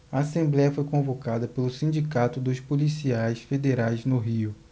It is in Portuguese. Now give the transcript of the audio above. a assembléia foi convocada pelo sindicato dos policiais federais no rio